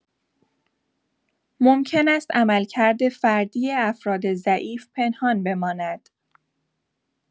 ممکن است عملکرد فردی افراد ضعیف پنهان بماند!